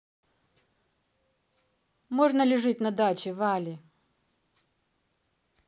можно ли жить на даче вали